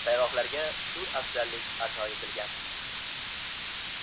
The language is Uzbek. sayg'oqlarga shu afzallik ato etilgan